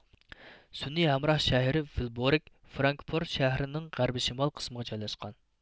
سۈنئىي ھەمراھ شەھىرى ۋىلبورىگ فرانكىفورد شەھىرىنىڭ غەربى شىمال قىسمىغا جايلاشقان